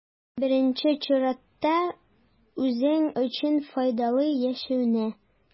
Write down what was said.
Беренче чиратта, үзең өчен файдалы яшәүне.